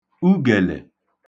ugèlè